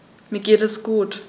Mir geht es gut.